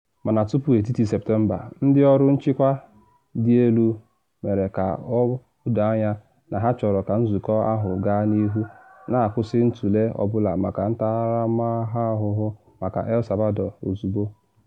Mana tupu etiti-Septemba, ndị ọrụ nchịkwa dị elu mere ka o doo anya na ha chọrọ ka nzụkọ ahụ gaa n’ihu, na akwụsị ntụle ọ bụla maka ntaramahụhụ maka El Salvador ozugbo.